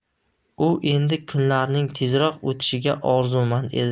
u endi kunlarning tezroq o'tishiga orzumand edi